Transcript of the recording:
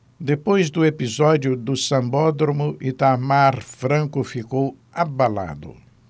depois do episódio do sambódromo itamar franco ficou abalado